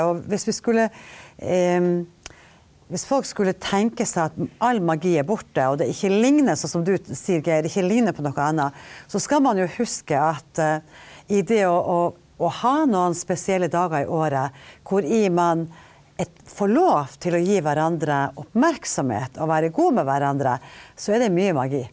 og hvis vi skulle hvis folk skulle tenke seg at all magi er borte, og det ikke ligner, sånn som du sier Geir, ikke ligner på noe annet, så skal man jo huske at i det å å å ha noen spesielle dager i året hvori man får lov til å gi hverandre oppmerksomhet og være god med hverandre, så er det mye magi.